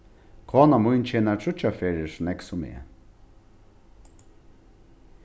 kona mín tjenar tríggjar ferðir so nógv sum eg